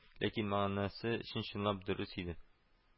Ләкин мәгънәсе чын-чынлап дөрес иде